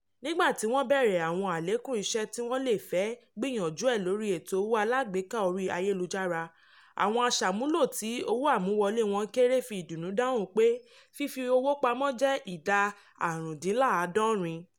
Nígbà tí wọ́n béèrè àwọn àlékún iṣẹ́ tí wọ́n lè fẹ́ gbìyànjú ẹ̀ lórí ètò owó alágbèéká orí ayélujára, àwọn aṣàmúlò tí owó àmúwọlé wọn kéré fi ìdùnnú dáhùn pé fífi owó pamọ́ (65%).